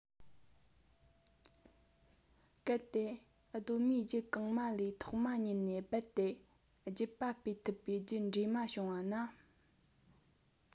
གལ ཏེ གདོད མའི རྒྱུད གོང མ ལས ཐོག མ ཉིད ནས རྦད དེ རྒྱུད པ སྤེལ ཐུབ པའི རྒྱུད འདྲེས མ འབྱུང བ ན